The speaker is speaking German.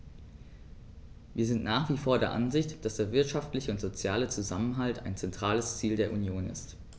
Wir sind nach wie vor der Ansicht, dass der wirtschaftliche und soziale Zusammenhalt ein zentrales Ziel der Union ist.